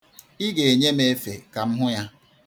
Ị ga-enye m efe ka m hụ ya.